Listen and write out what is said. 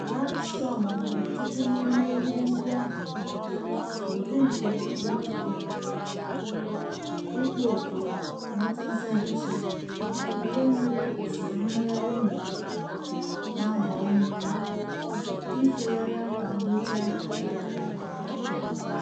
Rag Storm nwere ọtụtụ n'ime ihe ndị ahụ — ụdị nke lavụwee ịkpọ oku nweta nzaghachi, nke nwere usoro mmegharị n'ikuku na-agba ume ifegharị akwa nhicha aghara aghara.